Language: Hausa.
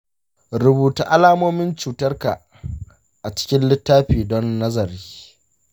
rubuta alamomin cutarka a cikin littafi don nazari.